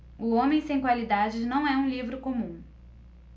o homem sem qualidades não é um livro comum